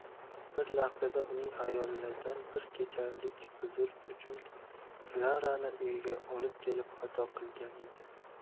bir lahzada uning xayolidan bir kechalik huzur uchun klarani uyiga olib kelib xato qilgan edi